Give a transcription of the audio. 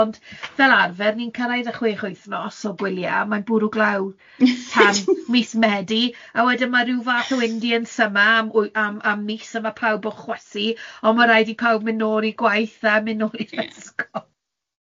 ond fel arfer ni'n cael ein chwech wythnos o gwyliau, a mae'n bwrw glaw tan mis Medi, a wedyn ma' ryw fath o Indian Summer am wy- am am mis a ma' pawb yn chwysu, ond mae'n rhaid i pawb mynd nôl i gwaith a mynd nôl i'r ysgol!